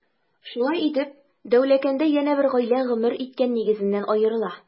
Шулай итеп, Дәүләкәндә янә бер гаилә гомер иткән нигезеннән аерыла.